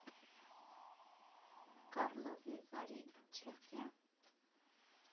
Կառլովի Վարի, Չեխիա։